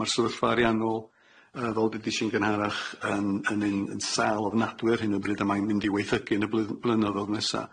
Ma'r sefyllfa ariannol yy fel ddudesi yn gynharach yn yn un sâl ofnadwy ar hyn o bryd a mae'n mynd i waethygu yn y bly- blynyddodd nesa.